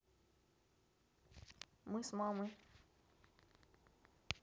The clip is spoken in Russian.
мы с мамой